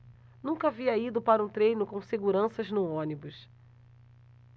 nunca havia ido para um treino com seguranças no ônibus